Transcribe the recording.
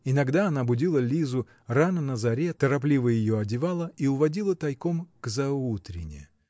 Иногда она будила Лизу рано на заре, торопливо ее одевала и уводила тайком к заутрене